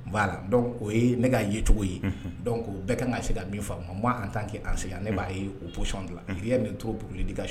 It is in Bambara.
Voilà, donc o ye ne ka ye cogo ye . Donc ko bɛɛ ka kan ka se ka min faamu moi en tant qu 'enseignant ne ba ye o position de la . Donc rien n'est trop pour l'éducation